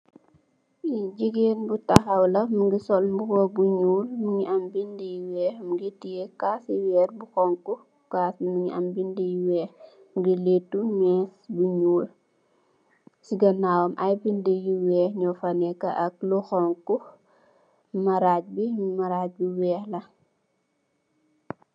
Ki jigéen bu tahaw la, mungi sol mbuba bu ñuul mungi am bindi yu weeh mungi tè caasi wërr bu honku. Caas bi mungi am bindi yu weeh. Mungi lettu bindi yu ñuul, ci ganaawam ay bindi yu weeh nyo fa nekka ak lu honku, maraj bi maraj bu weeh la.